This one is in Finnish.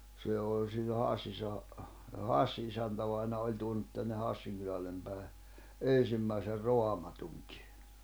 se oli silloin Hassissahan Hassin isäntävainaja oli tuonut tänne Hassin kylälle päin ensimmäisen Raamatunkin